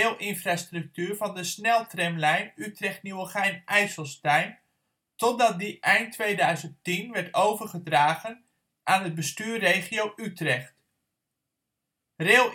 railinfrastructuur van de sneltramlijn Utrecht - Nieuwegein/IJsselstein totdat die eind 2010 werd overgedragen aan het Bestuur Regio Utrecht (BRU). Railinfratrust